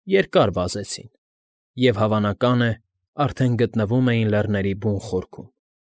Երկար վազեցին և, հավանական է, արդեն գտնվում էին լեռների բուն խորքում։